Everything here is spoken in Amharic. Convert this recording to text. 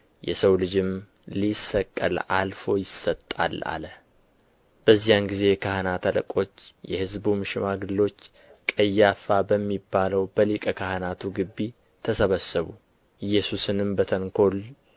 የሰው ልጅም ሊሰቀል አልፎ ይሰጣል አለ በዚያን ጊዜ የካህናት አለቆች የሕዝብም ሽማግሎች ቀያፋ በሚባለው በሊቀ ካህናቱ ግቢ ተሰበሰቡ ኢየሱስንም በተንኰል